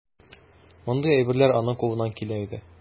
Мондый әйберләр аның кулыннан килә иде.